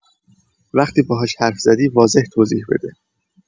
وقتی باهاش حرف زدی واضح توضیح بده